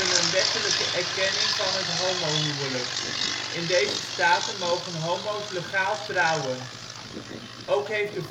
een wettelijke erkenning van het homohuwelijk. In deze staten mogen homo 's legaal trouwen. Ook heeft de volksvertegenwoordiging